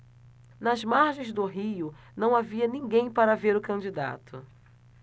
nas margens do rio não havia ninguém para ver o candidato